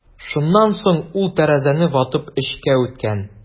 Шуннан соң ул тәрәзәне ватып эчкә үткән.